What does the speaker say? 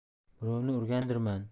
birovni urgandirman